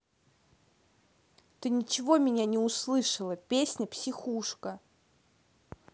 ты ничего меня не услышала песня психушка